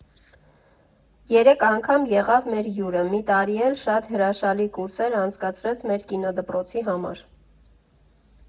Երեք անգամ եղավ մեր հյուրը, մի տարի էլ շատ հրաշալի կուրսեր անցկացրեց մեր կինոդպրոցի համար։